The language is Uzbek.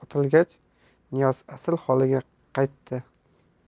otilgach niyoz asl holiga qaytdi